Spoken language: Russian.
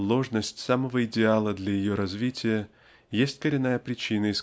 ложность самого идеала для ее развития есть Коренная причина